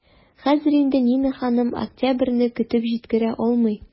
Хәзер инде Нина ханым октябрьне көтеп җиткерә алмый.